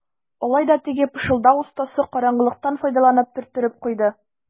Алай да теге пышылдау остасы караңгылыктан файдаланып төрттереп куйды.